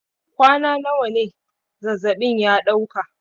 kwana nawa ne zazzaɓin ya ɗauka